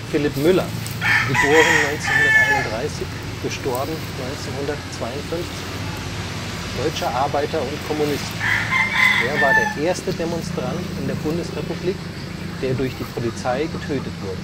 Philipp Müller (1931 – 1952), deutscher Arbeiter und Kommunist. Er war der erste Demonstrant in der Bundesrepublik, der durch die Polizei getötet wurde